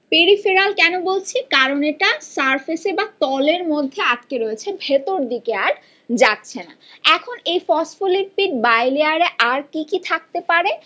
peripheral কেন বলছি কারণ এটা সারফেসে বা তলের মধ্যে আটকে রয়েছে ভেতর দিকে আর যাচ্ছে না এখন এই ফসফোলিপিড বাইলেয়ারে আর কি কি থাকতে পারে